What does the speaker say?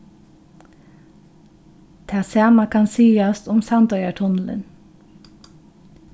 tað sama kann sigast um sandoyartunnilin